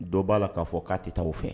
Dɔ b'a k'a fɔ k'a tɛ taa' fɛ